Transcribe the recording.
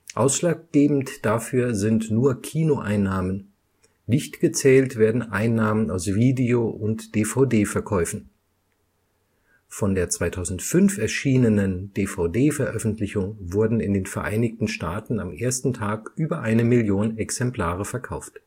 Ausschlaggebend dafür sind nur Kino-Einnahmen, nicht gezählt werden Einnahmen aus Video - und DVD-Verkäufen. Von der 2005 erschienenen DVD-Veröffentlichung wurden in den Vereinigten Staaten am ersten Tag über eine Million Exemplare verkauft